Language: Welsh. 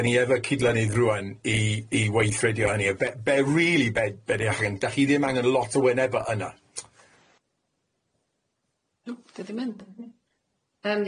'Dyn ni efo cydlynydd rŵan i i weithredio hynny a be be rili be be dach chi'n dach chi ddim angen lot o wyneba yna.